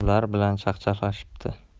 ular bilan chaqchaqlashibdi